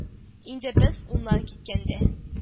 Иде без уннан киткәндә